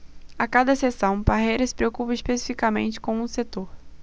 a cada sessão parreira se preocupa especificamente com um setor